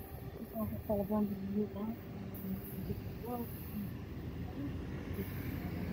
Halkaan waxaa taagan boombala madow waxaa yaala dhaho jaallo ah miss cadaan saaran.